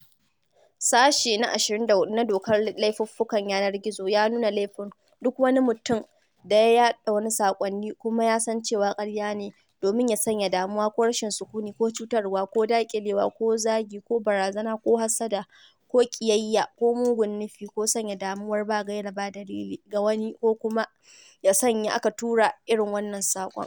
Sashe na 24 na Dokar Laifuffukan Yanar gizo ya nuna laifin "duk wani mutum da ya yaɗa wasu saƙonni kuma ya san cewa ƙarya ne, domin ya sanya damuwa ko rashin sukuni ko cutarwa ko daƙilewa ko zagi ko barazana ko hassada ko ƙiyayya ko mugun nufi ko sanya damuwar ba gaira ba dalili ga wani ko kuma ya sanya aka tura irin wannan saƙon."